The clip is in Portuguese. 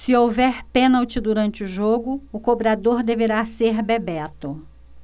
se houver pênalti durante o jogo o cobrador deverá ser bebeto